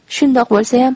shundoq bo'lsayam